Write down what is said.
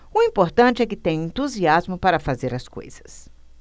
o importante é que tenho entusiasmo para fazer as coisas